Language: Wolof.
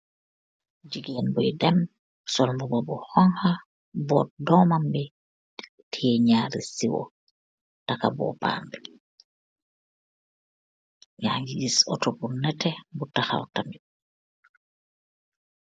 Jigeen buuyi dem, sol boobam bu oung ka, bott dorman bi, tiyeh nyaari ceyour, taka bopam bi digiss motor bu tahawuu ce kanamam.